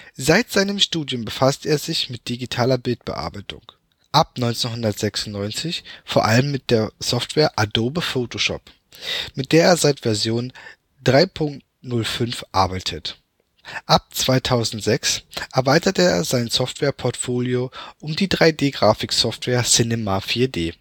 Seid seinem Studium befasst er sich mit digitaler Bildbearbeitung. Ab 1996 vor allem mit der Software Adobe Photoshop, mit der er seit Version 3.05 arbeitet, ab 2006 erweitert er sein Software Portfolio um die 3D-Grafiksoftware Cinema 4D